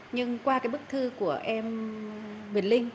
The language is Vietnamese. nhưng qua cái bức thư của em việt linh